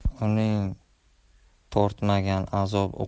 uning tortmagan azob